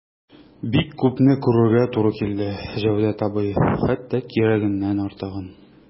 Бик күпне күрергә туры килде, Җәүдәт абый, хәтта кирәгеннән артыгын...